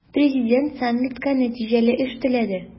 Президент саммитка нәтиҗәле эш теләде.